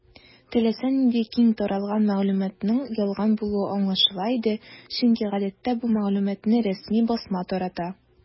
Теләсә нинди киң таралган мәгълүматның ялган булуы аңлашыла иде, чөнки гадәттә бу мәгълүматны рәсми басма тарата.